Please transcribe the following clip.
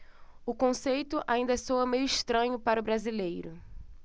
o conceito ainda soa meio estranho para o brasileiro